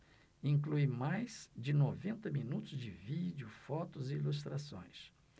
inclui mais de noventa minutos de vídeo fotos e ilustrações